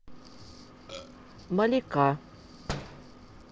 малика